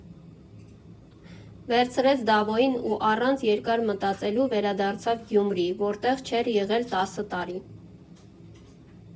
Վերցրեց Դավոյին ու առանց երկար մտածելու վերադարձավ Գյումրի, որտեղ չէր եղել տասը տարի։